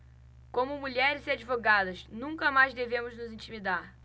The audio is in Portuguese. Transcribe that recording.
como mulheres e advogadas nunca mais devemos nos intimidar